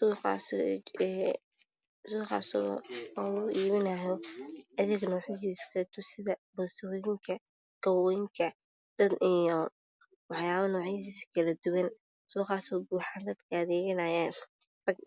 Meshaan waxaa yaalo dhago cadaan ah io calamo o aliyah ciyaaro ah